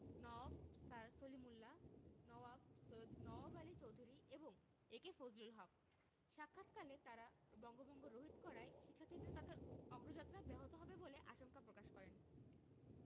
Nawab Sir Salimullah Nawab Syed Nawab Ali Chowdhury এবং A K Fazlul Huq সাক্ষাৎকালে তাঁরা বঙ্গভঙ্গ রহিত করায় শিক্ষাক্ষেত্রে তাদের অগ্রযাত্রা ব্যাহত হবে বলে আশঙ্কা প্রকাশ করেন